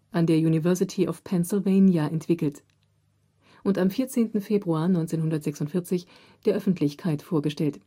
an der University of Pennsylvania entwickelt und am 14. Februar 1946 der Öffentlichkeit vorgestellt